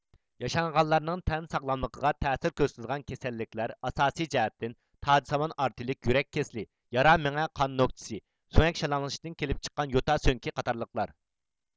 ياشانغانلارنىڭ تەن ساغلاملىقىغا تەسىر كۆرسىتىدىغان كېسەللىكلەر ئاساسىي جەھەتتىن تاجسىمان ئارتېرىيىلىك يۈرەك كېسىلى يارا مېڭە قان نۆكچىسى سۆڭەك شالاڭلىشىشتىن كېلىپ چىققان يوتا سۆڭىكى قاتارلىقلار